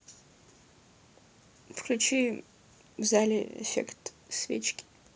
включи в зале эффект свечки